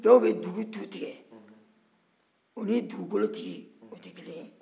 dɔw bɛ dugu tu tigɛ o ni dugukolo tigui o tɛ kelen ye